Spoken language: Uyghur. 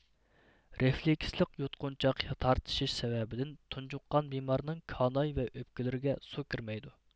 رېفلېكسلىق يۇتقۇنچاق تارتىشىش سەۋەبىدىن تۇنجۇققان بىمارنىڭ كاناي ۋە ئۆپكىلىرىگە سۇ كىرمەيدۇ